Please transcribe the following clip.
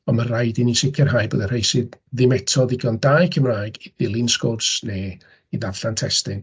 Ond ma raid i ni sicrhau bod y rhei sy ddim eto'n ddigon da eu Cymraeg i ddilyn sgwrs, neu i ddarllan testun...